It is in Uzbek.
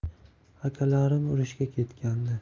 akalarim urushga ketgandi